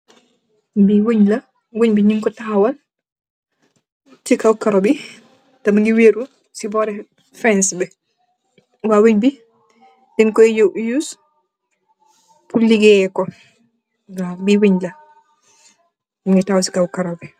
Bee wench la, wench bii nyunko tahawal si kaw karro bii. Te mingui waitu si kaw fence bi waye, wench bii denko use pur ligayeh ko waw bi wench la.